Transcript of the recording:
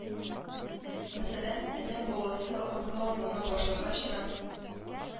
Мәсәлән, адәм баласы атка атлана башлагач та,